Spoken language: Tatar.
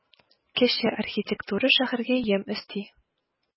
Кече архитектура шәһәргә ямь өсти.